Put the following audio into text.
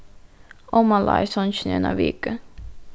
omma lá í songini í eina viku